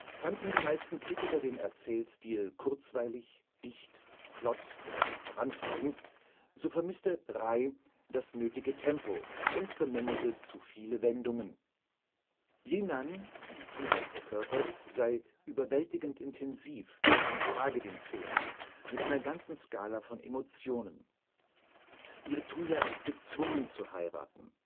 Fanden die meisten Kritiker den Erzählstil „ kurzweilig “,„ dicht “,„ flott “oder vorantreibend, so vermisste Ray das nötige Tempo und bemängelte zuviele Wendungen. Yu Nan, die Tuya verkörpert, sei „ überwältigend intensiv “und trage den Film, mit einer ganzen Skala von Emotionen. Ihre Tuya ist gezwungen zu heiraten